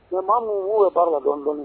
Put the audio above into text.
Mɛ maa min k'u yɛrɛ baara dɔn dɔɔnin ye